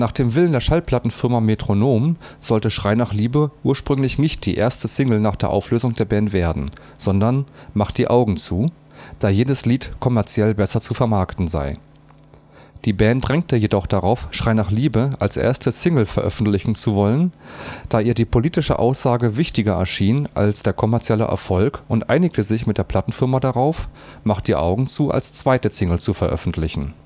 dem Willen der Schallplattenfirma Metronome sollte „ Schrei nach Liebe “ursprünglich nicht die erste Single nach der Auflösung der Band werden, sondern „ Mach die Augen zu “, da jenes Lied kommerziell besser zu vermarkten sei. Die Band drängte jedoch darauf, „ Schrei nach Liebe “als erste Single veröffentlichen zu wollen, da ihr die politische Aussage wichtiger erschien als der kommerzielle Erfolg und einigte sich mit der Plattenfirma darauf, „ Mach die Augen zu “als zweite Single zu veröffentlichen